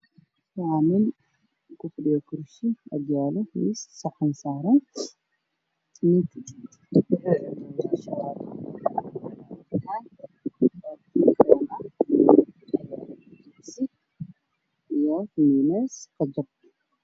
Waa cunto saaran miis ku jirto saxan madow waa jibsi suuga an waxaa ag yaalla cabitaan nin ay agfadhiyo